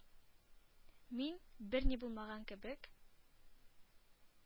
Мин, берни булмаган кебек,